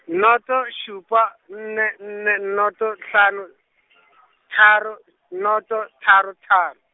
noto, šupa nne nne noto hlano, tharo, noto, tharo tharo.